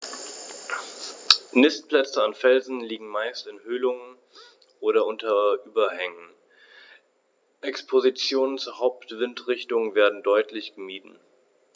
Nistplätze an Felsen liegen meist in Höhlungen oder unter Überhängen, Expositionen zur Hauptwindrichtung werden deutlich gemieden.